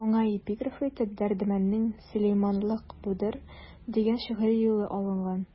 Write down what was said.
Аңа эпиграф итеп Дәрдмәнднең «Сөләйманлык будыр» дигән шигъри юлы алынган.